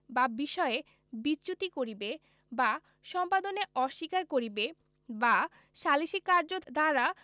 বা বিষয়ে বিচ্যুতি করিবে বা সম্পাদনে অস্বীকার করিবে বা সালিসী কার্যদারা